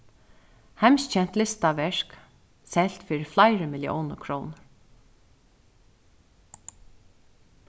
heimskent listaverk selt fyri fleiri milliónir krónur